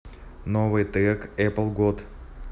новый трек эпл гот